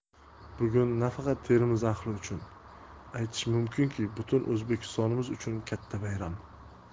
bugun nafaqat termiz ahli uchun aytish mumkinki butun o'zbekistonimiz uchun katta bayram